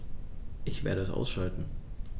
Ich werde es ausschalten